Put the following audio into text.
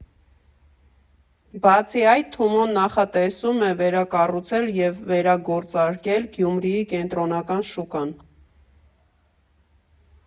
Բացի այդ, Թումոն նախատեսում է վերակառուցել և վերագործարկել Գյումրիի կենտրոնական շուկան։